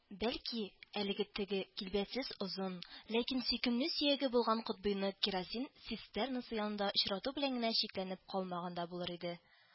Бәлки, әлеге теге килбәтсез озын, ләкин сөйкемле сөяге булган котбыйны керосин цистернасы янында очрату белән генә чикләнеп калмаган да булыр иде